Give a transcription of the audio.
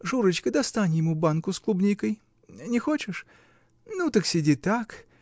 Шурочка, достань ему банку с клубникой. Не хочешь? Ну, так сиди так